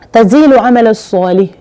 Taz don an bɛ sɔli